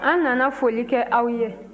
an nana foli kɛ aw ye